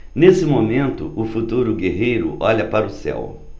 neste momento o futuro guerreiro olha para o céu